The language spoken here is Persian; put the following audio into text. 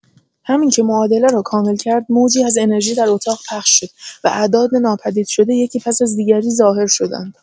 همین که معادله را کامل کرد، موجی از انرژی در اتاق پخش شد و اعداد ناپدیدشده یکی پس از دیگری ظاهر شدند.